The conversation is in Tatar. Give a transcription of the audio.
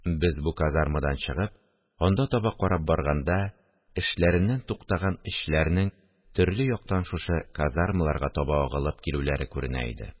Без бу казармадан чыгып, анда таба карап барганда, эшләреннән туктаган эшчеләрнең төрле яктан шушы казармаларга таба агылып килүләре күренә иде